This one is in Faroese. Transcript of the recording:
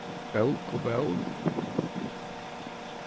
bók og ból